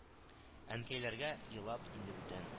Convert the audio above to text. Әнкәйләргә, елап, инде бүтән